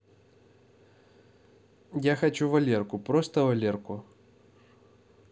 я хочу валерку просто валерку